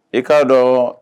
I k'a dɔn